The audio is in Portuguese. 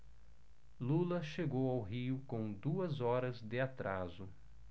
lula chegou ao rio com duas horas de atraso